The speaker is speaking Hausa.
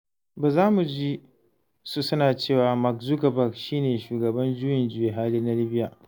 Ba za mu ji su, suna cewa: ''Mark Zuckerberg shi ne shigaban juyin juya hali na Libya''.